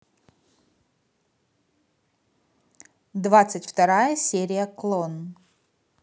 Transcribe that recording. двадцать вторая серия клон